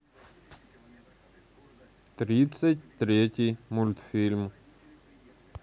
тридцать третий мультфильм